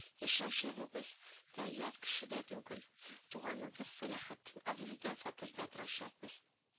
Яшәүчагыбыз да ят кешедә түгел, туганыбыз сәләхетдин абзыйда фатирда торачакбыз